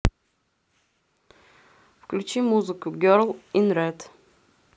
включи музыку герл ин ред